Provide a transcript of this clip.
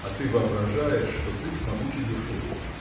– А ты воображаешь, что ты с могучей душой?